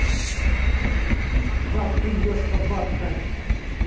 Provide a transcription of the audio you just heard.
бабка ежка бабка